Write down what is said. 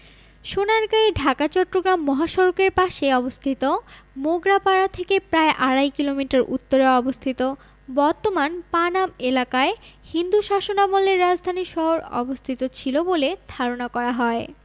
সোনারগাঁয়ে ঢাকা চট্রগ্রাম মহাসড়কের পাশে অবস্থিত মোগরাপাড়া থেকে প্রায় আড়াই কিলোমিটার উত্তরে অবস্থিত বর্তমান পানাম এলাকায় হিন্দু শাসনামলের রাজধানী শহর অবস্থিত ছিল বলে ধারণা করা হয়